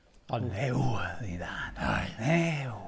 Ond ewadd oedd hi'n dda doedd, ew.